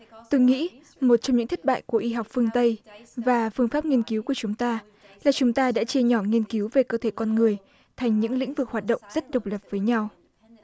tôi nghĩ một trong những thất bại của y học phương tây và phương pháp nghiên cứu của chúng ta là chúng ta đã chia nhỏ nghiên cứu về cơ thể con người thành những lĩnh vực hoạt động rất độc lập với nhau